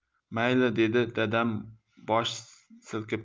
mayli dedi dadam bosh silkib